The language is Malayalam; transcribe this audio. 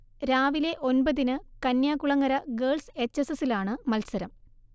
രാവിലെ ഒൻപതിന് കന്യാകുളങ്ങര ഗേൾസ് എച്ച് എസ് എസിലാണ് മത്സരം